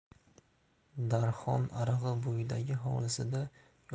darhon arig'i bo'yidagi hovlisida yoz